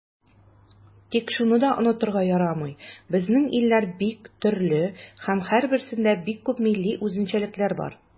Тик шуны да онытырга ярамый, безнең илләр бик төрле һәм һәрберсендә бик күп милли үзенчәлекләр бар.